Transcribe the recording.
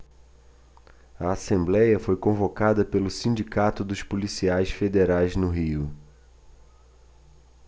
a assembléia foi convocada pelo sindicato dos policiais federais no rio